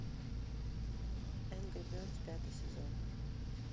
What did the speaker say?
энгри бердс пятый сезон